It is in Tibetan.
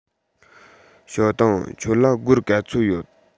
ཞའོ ཏུང ཁྱོད ལ སྒོར ག ཚོད ཡོད